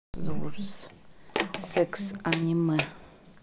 секс аниме